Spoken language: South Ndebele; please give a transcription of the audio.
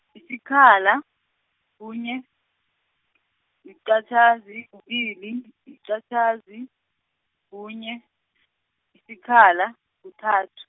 isikhala, kunye, yiqatjhazi, kubili, yiqatjhazi, kunye, isikhala, kuthathu.